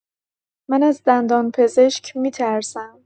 من از دندان‌پزشک می‌ترسم.